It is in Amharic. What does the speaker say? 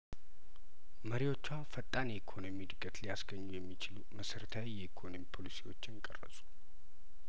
መሪዎቿ ፈጣን የኢኮኖሚ እድገት ሊያስገኙ የሚችሉ መሰረታዊ የኢኮኖሚ ፖሊሲዎችን ቀረጹ